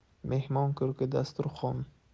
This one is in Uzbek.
mehmon ko'rki dasturxon